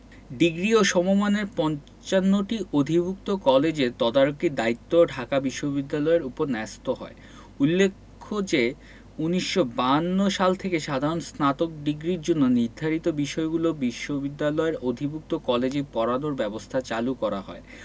degree ও সমমানের ৫৫টি অধিভুক্ত কলেজের তদারকির দায়িত্বও ঢাকা বিশ্ববিদ্যালয়ের ওপর ন্যস্ত হয় উল্লেখ্য যে ১৯৫২ সাল থেকে সাধারণ স্নাতক ডিগ্রির জন্য নির্ধারিত বিষয়গুলো বিশ্ববিদ্যালয়ের অধিভুক্ত কলেজে পড়ানোর ব্যবস্থা চালু করা হয়